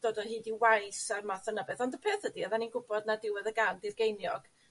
dod o hyd i waith a'r math yna beth ond y peth ydi oddan ni'n gwbod ma' diwedd y gan 'di'r geiniog.